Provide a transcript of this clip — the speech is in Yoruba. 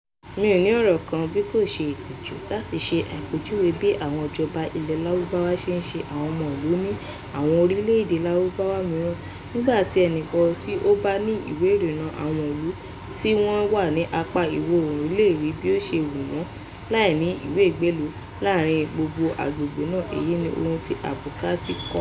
Mi ò ní ọ̀rọ̀ kan, bí kò ṣe ìtìjú, láti ṣe àpèjúwe bí àwọn ìjọba ilẹ̀ Lárúbáwá ṣe ń ṣe àwọn ọmọ ìlú ni àwọn orílẹ̀ èdè Lárúbáwá mìíràn, nígbà tí ẹnì kan tí ó bá ní ìwé ìrìnnà àwọn ìlú tí wọ́n wà ní apá ìwọ̀ oòrùn lè rìn bí ó bá ṣe wù ú láì ní ìwé ìgbélù láàárín gbogbo àgbègbè náà, " èyí ni ohun tí Abir Kopty kọ.